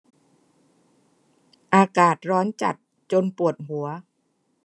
อากาศร้อนจัดจนปวดหัว